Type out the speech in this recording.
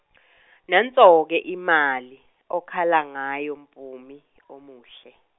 nanso ke imali okhala ngayo Mpumi omuhle.